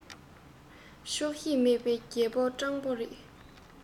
ཆོག ཤེས མེད པའི རྒྱལ པོ སྤྲང པོ རེད